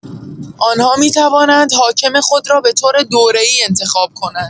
آنها می‌توانند حاکم خود را به‌طور دوره‌ای انتخاب کنند.